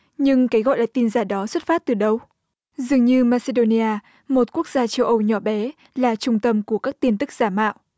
nhưng cái gọi là tin giả đó xuất phát từ đâu dường như ma xê đô ni a một quốc gia châu âu nhỏ bé là trung tâm của các tin tức giả mạo